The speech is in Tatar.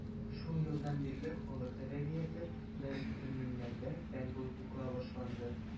Шул елдан бирле халык әдәбияты дарелфөнүннәрдә фән булып укыла башланды.